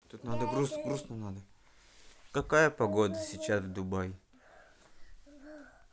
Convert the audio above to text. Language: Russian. какая погода сейчас в дубай